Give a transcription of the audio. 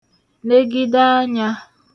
negide anyā